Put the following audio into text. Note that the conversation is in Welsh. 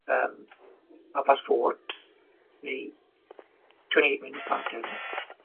yym half past four neu twenty eight minutes past ten,